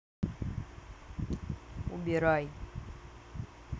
убирай